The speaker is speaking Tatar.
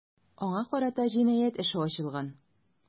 Аңа карата җинаять эше ачылган.